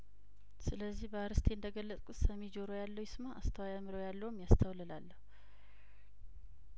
ስለዚህ በአር እስቴ እንደገለጽኩት ሰሚ ጆሮ ያለው ይስማ አስተዋይ አእምሮ ያለውም ያስተውል እላለሁ